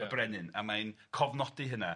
y brenin, a mae'n cofnodi hynna.